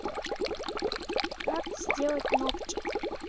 как сделать ногти